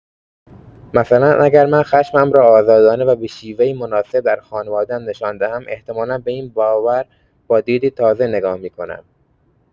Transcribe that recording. مثلا اگر من خشمم را آزادانه و به‌شیوه‌ای مناسب در خانواده‌ام نشان دهم، احتمالا به این باور با دیدی تازه نگاه می‌کنم.